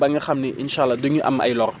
ba nga xam ne incha allah du ñu am ay lor